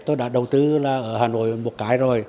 đã đầu tư là ở hà nội một cái rồi